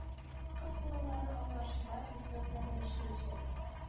Кыз балалары аңлашыла безнең белән яшәячәк